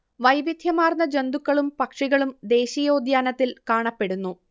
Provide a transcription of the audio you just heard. വൈവിധ്യമാർന്ന ജന്തുക്കളും പക്ഷികളും ദേശീയോദ്യാനത്തിൽ കാണപ്പെടുന്നു